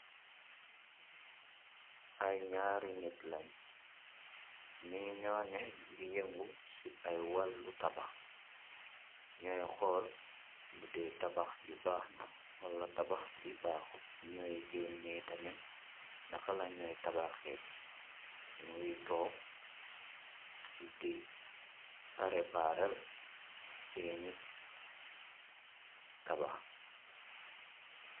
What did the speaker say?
Ay ñaari net lañ nye nu neh di yëngu ci ay wàllu tabax ñooy xool bude tabax bi baaxna wala tabax bi baaxut ñooy génnee tamen naka la ñooy tabaxee ñu ngiy toog di prepaarel seeni tabax.